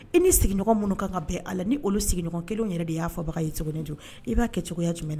I ni sigiɲɔgɔn minnu ka kan ka bɛn a la ni olu sigiɲɔgɔn kelen yɛrɛ de y'a fɔbaga ye Sogoniju, i b'a kɛ cogoya jumɛn na